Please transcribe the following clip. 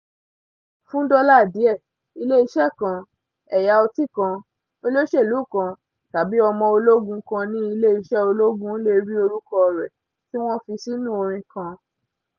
Fún dọ́là díẹ̀, "ilé iṣẹ́ kan, ẹ̀yà ọtí kan, olóṣèlú kan, tàbí ọmọ ológun kan ní ilé iṣẹ́ ológun" le rí orúkọ rẹ̀ tí wọ́n fi sínú orin kan.